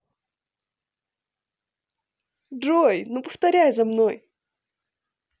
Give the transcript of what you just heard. джой ну повторяй за мной